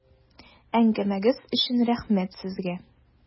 Әңгәмәгез өчен рәхмәт сезгә!